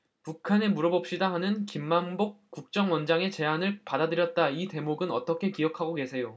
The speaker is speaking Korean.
북한에 물어봅시다 하는 김만복 국정원장의 제안을 받아들였다 이 대목은 어떻게 기억하고 계세요